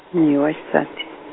ni wa xisati.